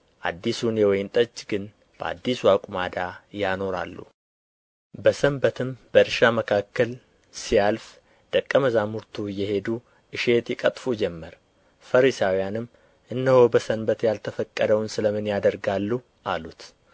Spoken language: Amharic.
አዲሱን የወይን ጠጅ ግን በአዲስ አቁማዳ ያኖራሉ በሰንበትም በእርሻ መካከል ሲያልፍ ደቀ መዛሙርቱ እየሄዱ እሸት ይቀጥፉ ጀመር ፈሪሳውያንም እነሆ በሰንበት ያልተፈቀደውን ስለ ምን ያደርጋሉ አሉት